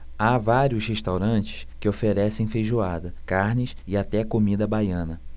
há vários restaurantes que oferecem feijoada carnes e até comida baiana